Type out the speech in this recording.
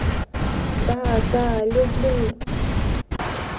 да да люблю